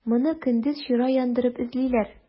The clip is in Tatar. Моны көндез чыра яндырып эзлиләр.